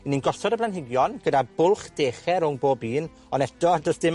'Yn ni'n gosod y planhigion, gyda bwlch deche rwng bob un, ond eto do's dim